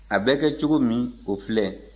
a bɛ kɛ cogo min a filɛ